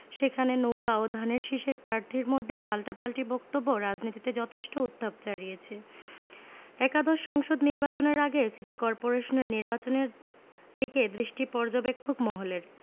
সেখানে নৌকা ও ধানের শীষের প্রার্থীর মধ্যে পাল্টাপাল্টি বক্তব্য রাজনীতিতে যথেষ্ট উত্তাপ চাড়িয়েছে একাদশ সংসদ নির্বাচনের আগে সিটি করপোরেশন নির্বাচনের দিকে দৃষ্টি পর্যবেক্ষক মহলের